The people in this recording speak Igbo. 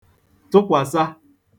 tụkwàsa